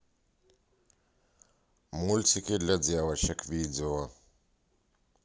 мультики для девочек видео